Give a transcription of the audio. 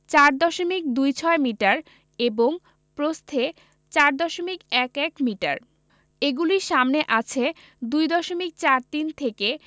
৪ দশমিক দুই ছয় মিটার এবং প্রস্থে ৪ দশমিক এক এক মিটার এগুলির সামনে আছে ২ দশমিক চার তিন থেকে